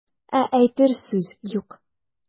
Ә әйтер сүз юк.